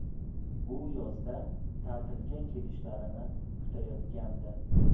bu yozda ta'tilga kelishlarini kutayotgandi